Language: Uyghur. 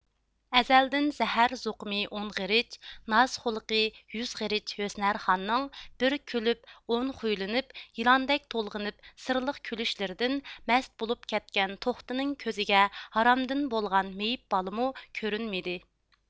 ئەزەلدىن زەھەر زوقۇمى ئون غېرىچ ناز خۇلقى يۈز غېرىچ ھۆسنارخاننىڭ بىر كۈلۈپ ئون خۇيلىنىپ يىلاندەك تولغىنىپ سىرلىق كۈلۈشلىرىدىن مەست بولۇپ كەتكەن توختىنىڭ كۆزىگە ھارامدىن بولغان مېيىپ بالىمۇ كۆرۈنمىدى